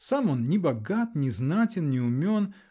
Сам он ни богат, ни знатен, ни умен